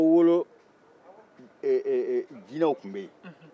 n y'aw wolo jinɛw tun bɛ yen